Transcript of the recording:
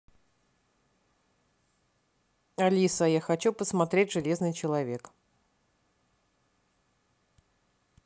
алиса я хочу посмотреть железный человек